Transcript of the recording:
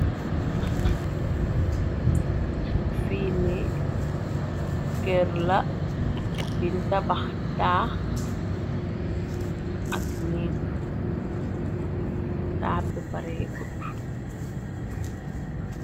Fi ni kër la bin tabah taah ak nèeg. Taah bu parè gutt.